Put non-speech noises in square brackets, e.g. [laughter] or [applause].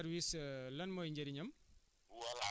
boobu service [hesitation] lan mooy njëriñam